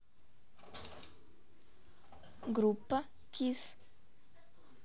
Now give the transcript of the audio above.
группа кисс